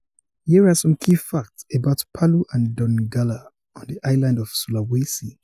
Here are some key facts about Palu and Donggala, on the island of Sulawesi: